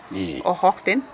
o xooxtin,